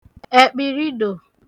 ẹ̀kpìridò